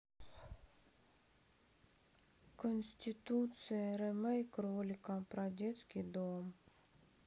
конституция ремейк ролика про детский дом